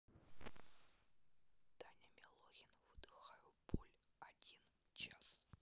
даня милохин выдыхаю боль один час